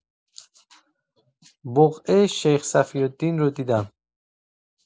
بقعه شیخ صفی‌الدین رو دیدم.